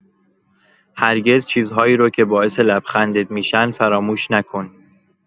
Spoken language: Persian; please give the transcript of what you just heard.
هرگز چیزهایی رو که باعث لبخندت می‌شن فراموش نکن.